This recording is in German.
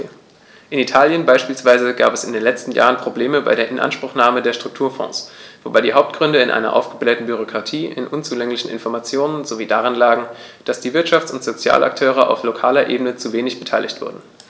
In Italien beispielsweise gab es in den letzten Jahren Probleme bei der Inanspruchnahme der Strukturfonds, wobei die Hauptgründe in einer aufgeblähten Bürokratie, in unzulänglichen Informationen sowie darin lagen, dass die Wirtschafts- und Sozialakteure auf lokaler Ebene zu wenig beteiligt wurden.